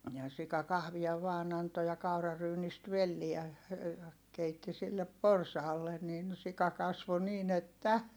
ja sika kahvia vain antoi ja kauraryynistä velliä ja keitti sille porsaalle niin sika kasvoi niin että